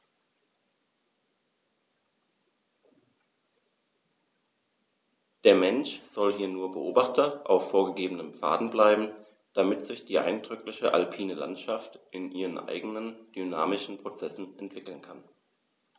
Der Mensch soll hier nur Beobachter auf vorgegebenen Pfaden bleiben, damit sich die eindrückliche alpine Landschaft in ihren eigenen dynamischen Prozessen entwickeln kann.